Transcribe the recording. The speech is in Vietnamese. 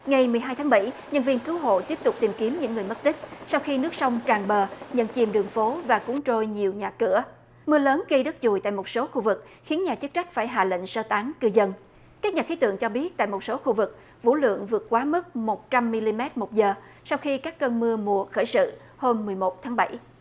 ngày mười hai tháng bảy nhân viên cứu hộ tiếp tục tìm kiếm những người mất tích sau khi nước sông tràn bờ nhận chìm đường phố và cuốn trôi nhiều nhà cửa mưa lớn gây đất chùi tại một số khu vực khiến nhà chức trách phải hạ lệnh sơ tán cư dân các nhà khí tượng cho biết tại một số khu vực vũ lượng vượt quá mức một trăm mi li mét một giờ sau khi các cơn mưa mùa khởi sự hôm mười một tháng bảy